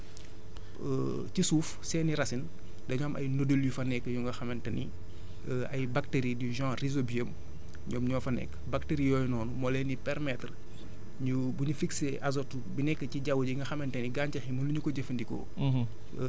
parce que ci suuf seeni racines dañoo am ay modules yu fa nekk yu nga xamante ni ay bactéries du genre résoubium ñoom ñoo fa nekk bactéries yooyu noonu moo leen di permettre ñu bu ñu fixé azote bi nekk ci jaww ji nga xamante ni gàncax yi mënuñu ko jëfandikoo